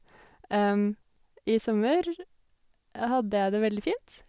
I sommer hadde jeg det veldig fint.